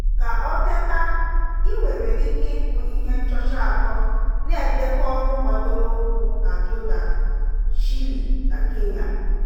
Ka ọ tata, ị nwere ike ịgụ ihe nchọcha atọ na-edekọ ọrụ gbadoro ụkwụ na Jọdan, Chile na Kenya.